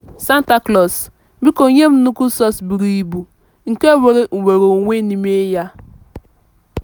Santa Claus, biko nye m nnukwu sọks buru ibu nke nwere nnwereonwe n'ime ya.